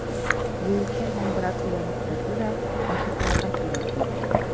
Верещагин бераз уйланып торды да: – Ачыкларга кирәк,– диде.